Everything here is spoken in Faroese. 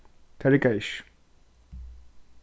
tað riggaði ikki